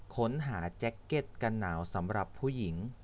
ค้นหาแจ๊กเก็ตกันหนาวสำหรับผู้หญิง